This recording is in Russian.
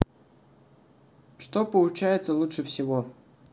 что получается лучше всего